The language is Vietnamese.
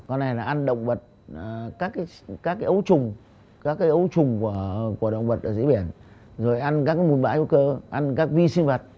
có lẽ là ăn động vật là các các ấu trùng các ấu trùng của của động vật ở dưới biển rồi ăn các bùn bã hữu cơ ăn các vi sinh vật